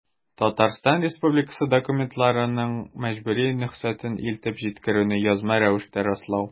Татарстан Республикасы документларының мәҗбүри нөсхәсен илтеп җиткерүне язма рәвештә раслау.